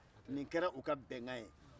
nin kɛra u ka bɛnkan